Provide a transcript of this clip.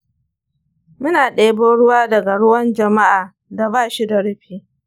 muna ɗebo ruwa daga ruwan jama’a da ba shi da rufi.